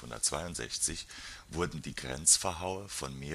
1141-1162) wurden die Grenzverhaue vom